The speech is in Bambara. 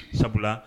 Sabula